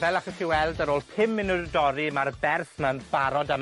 fel allwch chi weld, ar ôl pum munud o dorri, ma'r berth 'ma'n barod am